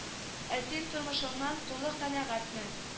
Ә син тормышыңнан тулы канәгатьме